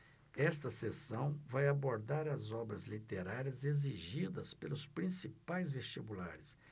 esta seção vai abordar as obras literárias exigidas pelos principais vestibulares